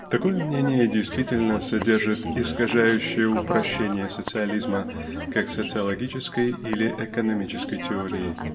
Такое мнение действительно содержит искажающее упрощение социализма как социологической или экономической теории